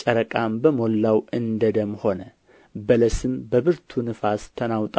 ጨረቃም በሞላው እንደ ደም ሆነ በለስም በብርቱ ነፋስ ተናውጣ